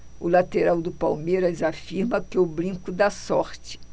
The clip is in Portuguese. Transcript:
o lateral do palmeiras afirma que o brinco dá sorte